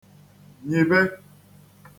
nyìbe